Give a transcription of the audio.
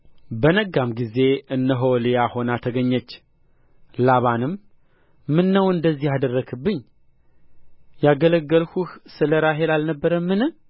በነጋም ጊዜ እነሆ ልያ ሆና ተገኘች ላባንም ምነው እንደዚህ አደረግህብኝ ያገለገልሁህ ስለ ራሔል አልነበረምን